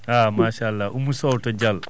machallah Oumou Sow to Dial